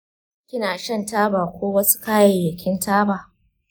kina shan taba ko wasu kayayyakin taba?